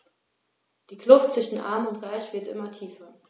Die Kluft zwischen Arm und Reich wird immer tiefer.